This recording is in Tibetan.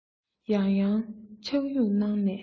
ཡང ཡང ཕྱག གཡུགས གནང ནས